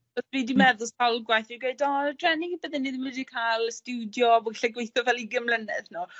fi 'di meddwl sawl gwaith fi'n gweud o dreni bydden i ddim wedi ca'l y stiwdio mwy lle gweitho fel ugen mlynedd nôl